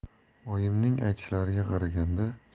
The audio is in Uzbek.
oyimning aytishiga qaraganda